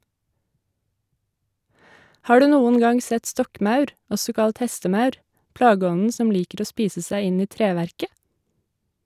Har du noen gang sett stokkmaur, også kalt hestemaur, plageånden som liker å spise seg inn i treverket?